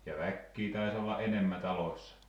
ja väkeä taisi olla enemmän taloissa